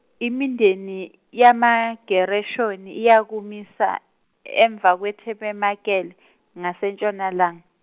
imindeni, yamaGereshoni iyakumisa, emva kwetabemakele, ngasentshonalanga.